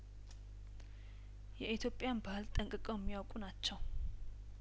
የኢትዮጵያን ባህል ጠንቅቀው እሚያውቁ ናቸው